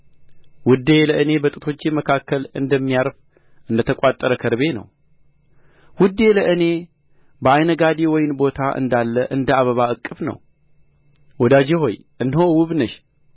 ውዴ ለእኔ በጡቶቼ መካከል እንደሚያርፍ እንደ ተቋጠረ ከርቤ ነው ውዴ ለእኔ በዓይንጋዲ ወይን ቦታ እንዳለ እንደ አበባ እቅፍ ነው ወዳጄ ሆይ